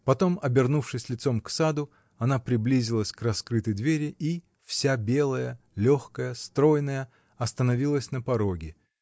потом, обернувшись лицом к саду, она приблизилась к раскрытой двери и, вся белая, легкая, стройная, остановилась на пороге.